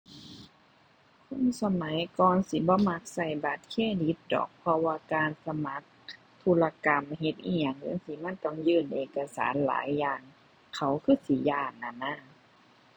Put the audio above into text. คนสมัยก่อนสิบ่มักใช้บัตรเครดิตดอก เพราะว่าการสมัครธุรกรรมเฮ็ดอิหยังจั่งซี้มันต้องยื่นเอกสารหลายอย่าง เขาคือสิย้านนั่นนะ